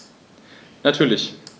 Natürlich.